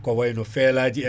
ko wayno feelaji en